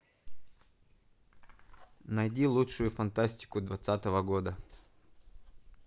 найди лучшую фантастику двадцатого года